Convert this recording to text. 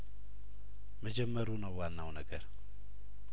መጀመሩ ነው ዋናው ነገር